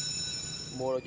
không mua